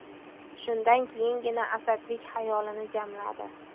shundan keyingina asadbek xayolini jamladi